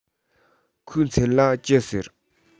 ཁོའི མཚན ལ ཅི ཟེར